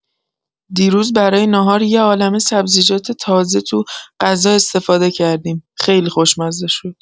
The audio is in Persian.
دیروز برای ناهار یه عالمه سبزیجات تازه تو غذا استفاده کردیم، خیلی خوشمزه شد.